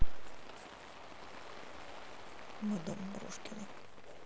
мадам брошкина